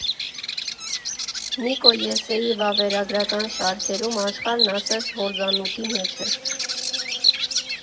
Նիկո Յեսսեի վավերագրական շարքերում աշխարհն ասես հորձանուտի մեջ է։